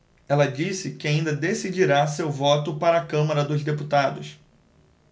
ela disse que ainda decidirá seu voto para a câmara dos deputados